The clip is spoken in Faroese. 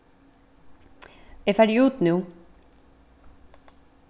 eg fari út nú